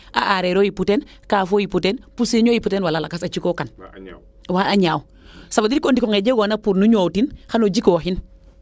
a areer o yipu teen kaafo yipu teen pursiin o yipu teen a jikookan wala a ñaaw ca veut dire o ndiko nge jegoona pour nu ñowwtin xano jikooxin